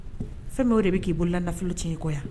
Fɛn min de bɛ k'i bolola nafololo tiɲɛ kɔ yan